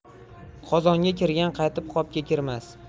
qozonga kirgan qaytib qopga kirmas